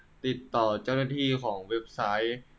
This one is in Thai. ติดต่อเจ้าของเว็บไซต์